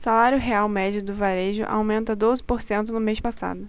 salário real médio do varejo aumenta doze por cento no mês passado